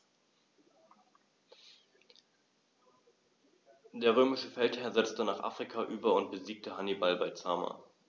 Der römische Feldherr setzte nach Afrika über und besiegte Hannibal bei Zama.